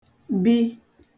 bi